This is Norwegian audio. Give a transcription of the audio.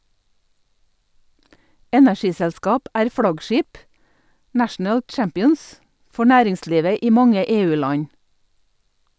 Energiselskap er flaggskip, «national champions», for næringslivet i mange EU-land.